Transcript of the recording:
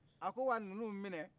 ka ko wa ninnu minɛ